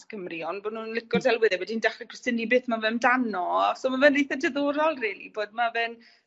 Cymru on' bo' nw'n lico delwedde wedyn dechre cwestynu beth ma' fe amdano so ma' fe'n itha diddorol rili bod ma' fe'n